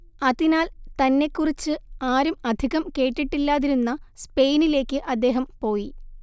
അതിനാൽ തന്നെക്കുറിച്ച് ആരും അധികം കേട്ടിട്ടില്ലാതിരുന്ന സ്പെയിനിലേയ്ക്ക് അദ്ദേഹം പോയി